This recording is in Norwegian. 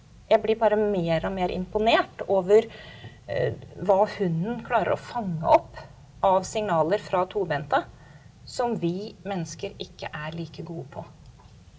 jeg blir bare mer og mer imponert over hva hunden klarer å fange opp av signaler fra tobente som vi mennesker ikke er like gode på.